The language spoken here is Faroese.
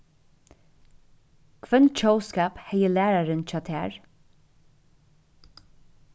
hvønn tjóðskap hevði lærarin hjá tær